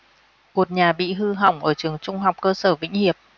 cột nhà bị hư hỏng ở trường trung học cơ sở vĩnh hiệp